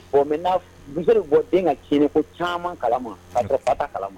Bon mɛ mi bɔ den ka sini ko caman kalama ka pata kalama